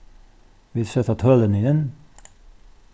vit seta tølini inn